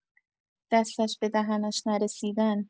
دستش به دهنش نرسیدن